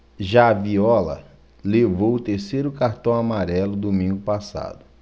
já viola levou o terceiro cartão amarelo domingo passado